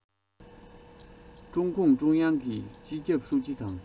ཀྲུང གུང ཀྲུང དབྱང གི སྤྱི ཁྱབ ཧྲུའུ ཅི དང